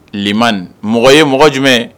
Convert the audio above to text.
Limani mɔgɔ ye mɔgɔ jumɛn